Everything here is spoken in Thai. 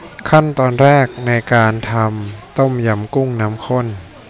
ขั้นตอนแรกในการทำต้มยำกุ้งน้ำข้น